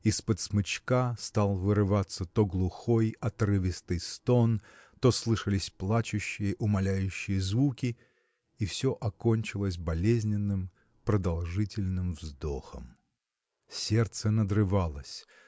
Из-под смычка стал вырываться то глухой отрывистый стон то слышались плачущие умоляющие звуки и все окончилось болезненным продолжительным вздохом. Сердце надрывалось